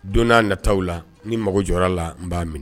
Don n'a nataw la ni n mago jɔr'a la n b'a minɛ